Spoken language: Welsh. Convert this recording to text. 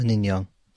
Yn union